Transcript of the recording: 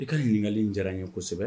I ka ɲininkakali diyara n ye kosɛbɛ